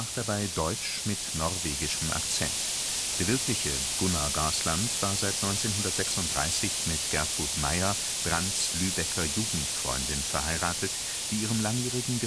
dabei Deutsch mit norwegischem Akzent. Der richtige Gunnar Gaasland war seit 1936 mit Gertrud Meyer, Brandts Lübecker Jugendfreundin, verheiratet, die ihrem langjährigen